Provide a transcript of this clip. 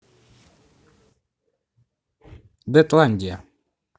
детландия